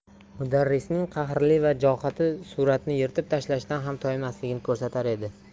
mudarrisning qahrli vajohati suratni yirtib tashlashdan ham toymasligini ko'rsatar edi